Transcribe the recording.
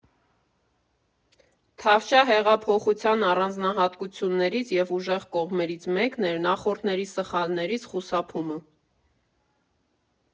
«Թավշյա հեղափոխության առանձնահատկություններից և ուժեղ կողմերից մեկն էր նախորդների սխալներից խուսափումը։